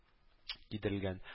Кидерелгән